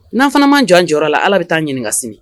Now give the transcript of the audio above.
N'a fana man jɔ jɔyɔrɔ la ala bɛ taa ɲininkaka sini